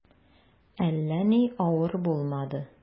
Әллә ни авыр булмады.